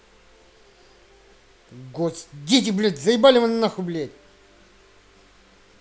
гость дети блять заебали вы нахуй блядь